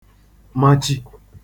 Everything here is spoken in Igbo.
machi